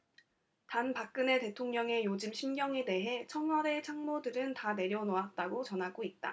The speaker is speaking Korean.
단박근혜 대통령의 요즘 심경에 대해 청와대 참모들은 다 내려놓았다고 전하고 있다